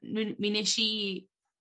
mwn mi nesh i